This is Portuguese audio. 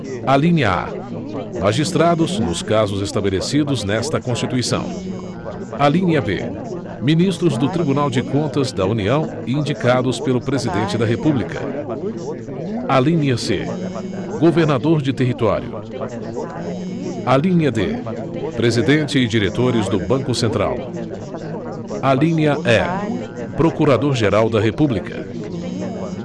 alínea a magistrados nos casos estabelecidos nesta constituição alínea b ministros do tribunal de contas da união indicados pelo presidente da república alínea c governador de território alínea d presidente e diretores do banco central alínea e procurador geral da república